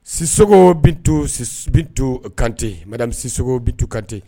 Sicogo to bin to kante siso bɛ to kante